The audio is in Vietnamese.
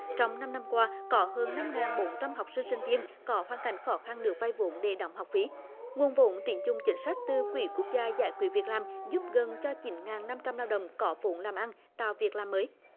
trong năm năm qua có hơn năm ngàn bốn trăm học sinh sinh viên có hoàn cảnh khó khăn được vay vốn để đóng học phí nguồn vốn tín dụng chính sách từ quỹ quốc gia giải quyết việc làm giúp gần cho chín nghìn năm trăm lao động có vốn làm ăn tạo việc làm mới